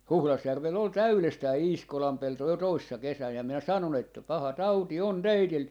Huhdasjärvellä oli täydestään Iiskolan pelto jo toissa kesänä ja minä sanoin että paha tauti on teillä